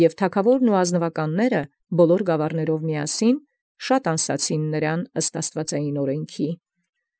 Եւ առաւելագոյն հնազանդեալ նմա ըստ աւրինացն Աստուծոյ՝ թագաւորին և զաւրացն, հանդերձ ամենայն գաւառաւքն։